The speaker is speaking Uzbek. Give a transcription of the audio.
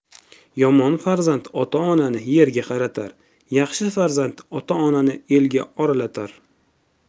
yomon farzand ota onani yerga qaratar yaxshi farzand ota onani elga oralatar